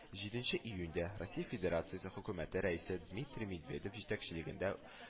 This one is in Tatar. Жиденче июньдә россия федирациясе хөкүмәте рәисе дмитрий медведев җитәкчелегендә